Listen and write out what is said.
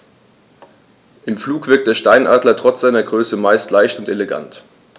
Im Flug wirkt der Steinadler trotz seiner Größe meist sehr leicht und elegant.